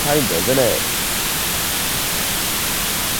Kind of innit?